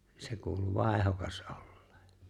se kuului vaihdokas olleen